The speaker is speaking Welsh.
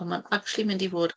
Ond, mae'n acshyli mynd i fod...